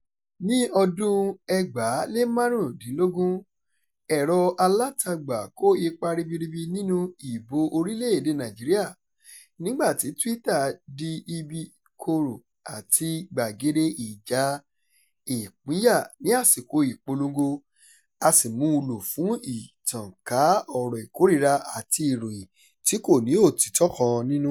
Ní ọdún-un 2015, ẹ̀rọ-alátagbà kó ipa ribiribi nínú ìbò orílẹ̀-èdè Nàìjíríà nígbà tí Twitter di ibi ìkorò àti gbàgede ìjà ìpínyà ní àsìkò ìpolongo, a sì mú u lò fún ìtànká ọ̀rọ̀ ìkórìíra àti ìròyìn tí kò ní òtítọ́ kan nínú.